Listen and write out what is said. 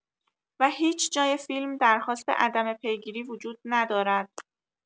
و هیچ جای فیلم درخواست عدم پیگیری وجود ندارد.